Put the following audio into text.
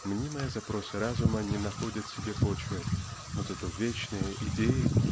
мнимые запросы разума не находят себе почвы но зато вечные идеи